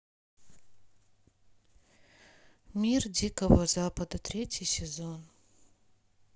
мир дикого запада третий сезон